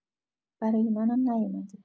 برای منم نیومده